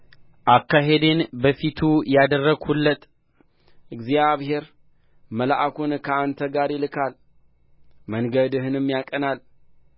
አካሄዴን በፊቱ ያደረግሁለት እግዚአብሔር መልአኩን ከአንተ ጋር ይልካል መንገድህንም ያቀናል